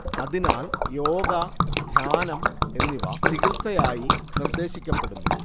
അതിനാൽ യോഗ ധ്യാനം എന്നിവ ചികിത്സയായി നിർദ്ദേശിക്കപ്പെടുന്നു